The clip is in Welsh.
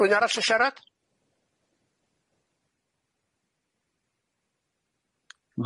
Rwy'n arall 'sa siarad?